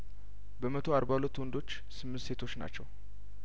በመቶ አርባ ሁለት ወንዶች ስምንት ሴቶች ናቸው